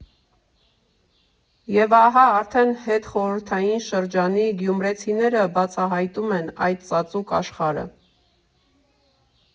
Եվ ահա, արդեն հետխորհրդային շրջանի գյումրեցիները բացահայտում են այդ ծածուկ աշխարհը։